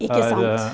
ikke sant.